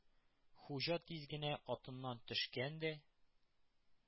Хуҗа тиз генә атыннан төшкән дә